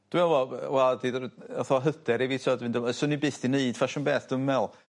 Dwi me'wl wel 'di rw- rw- fath o hyder i fi t'od fynd efo... Swn i' byth 'di neud ffasiwn beth dwi'm me'wl